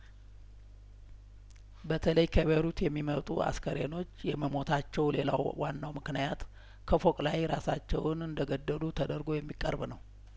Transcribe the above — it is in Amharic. በተለይ ከቤይሩ የሚመጡ አስክሬኖች የመሞታቸው ሌላው ዋናው ምክንያት ከፎቅ ላይ ራሳቸውን እንደገደሉ ተደርጐ የሚቀርብ ነው